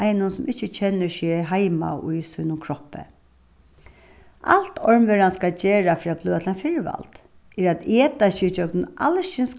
einum sum ikki kennir seg heima í sínum kroppi alt ormveran skal gera fyri at blíva til ein firvald er at eta seg ígjøgnum alskyns